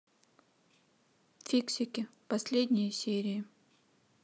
фиксики последние серии